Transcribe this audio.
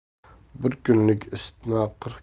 bir kunlik isitma